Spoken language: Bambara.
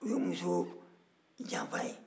u ye muso janfa yen